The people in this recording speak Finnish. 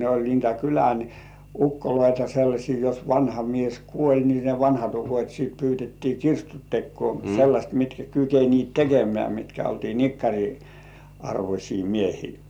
ne oli niitä kylän ukkoja sellaisia jos vanha mies kuoli niin ne vanhat ukot sitten pyydettiin kirstun tekoon sellaiset mitkä kykenivät tekemään mitkä oltiin nikkarin arvoisia miehiä